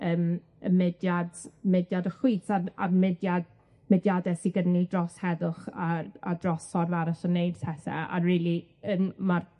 yym y mudiad, mudiad y chwith a a'r mudiad, mudiade sy gyda ni dros heddwch a a dros ffordd arall o wneud pethe, a rili yym ma'r...